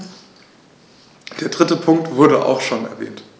Der dritte Punkt wurde auch schon erwähnt.